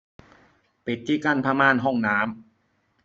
ปิดที่กั้นผ้าม่านห้องน้ำ